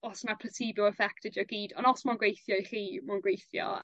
os ma placebo effect ydi o gyd on' os ma' o'n gweithio i chi ma' o'n gweithio